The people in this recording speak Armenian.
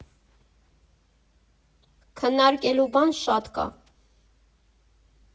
Քննարկելու բան շատ կա։